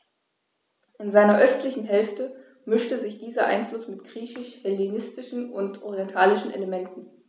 In seiner östlichen Hälfte mischte sich dieser Einfluss mit griechisch-hellenistischen und orientalischen Elementen.